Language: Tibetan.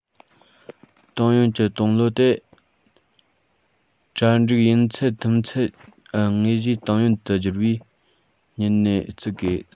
ཏང ཡོན གྱི ཏང ལོ དེ གྲ སྒྲིག ཡུན ཚད ཐིམ མཚམས དངོས གཞིའི ཏང ཡོན དུ བསྒྱུར བའི ཉིན ནས བརྩི དགོས